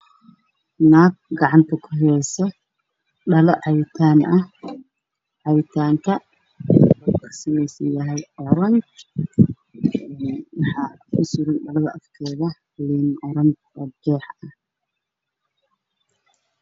Nag gacanta ku haysa dhalo cabitan ah cabitanka wuxu kasamaysan yahay kalro waxa dhalada afkeda kasuran liin jex ah